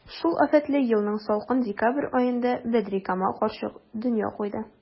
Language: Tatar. Шул афәтле елның салкын декабрь аенда Бәдрикамал карчык дөнья куйды.